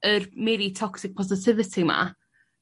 yr miri toxic positivity 'ma